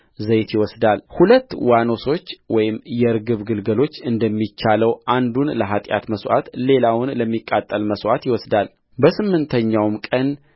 ዘይት ይወስዳልሁለት ዋኖሶች ወይም የርግብ ግልገሎች እንደሚቻለው አንዱን ለኃጢአት መሥዋዕት ሌላውን ለሚቃጠል መሥዋዕት ይወስዳልበስምንተኛውም ቀን